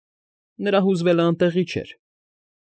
Նրա հուզվելն անտեղի չէր։